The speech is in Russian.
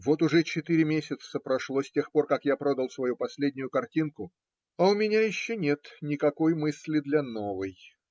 Вот уже четыре месяца прошло с тех пор, как я продал свою последнюю картинку, а у меня еще нет никакой мысли для новой.